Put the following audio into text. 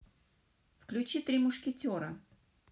включи три мушкетера